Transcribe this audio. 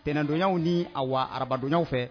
Tɛnɛndonw ni a wa arabadon fɛ